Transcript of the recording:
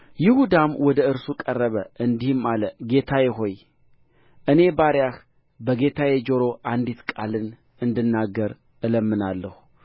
ይሁዳም ወደ እርሱ ቀረበ እንዲህም አለ ጌታዬ ሆይ እኔ ባርያህ በጌታዬ ጆሮ አንዲት ቃልን እንድናገር እለምናለሁ